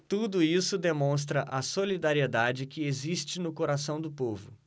tudo isso demonstra a solidariedade que existe no coração do povo